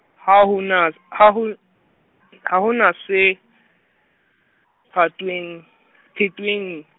ha hona , ha ho, ha hona se, ha , phetwang.